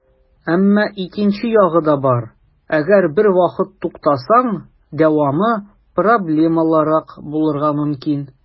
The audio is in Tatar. Әмма икенче ягы да бар - әгәр бервакыт туктасаң, дәвамы проблемалырак булырга мөмкин.